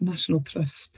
Y National Trust.